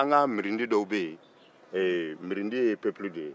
an ka mirindi dɔw bɛ ye ɛɛ mirindi ye pepulu de ye